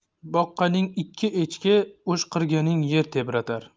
boqqaning ikki echki o'shqirganing yer tebratar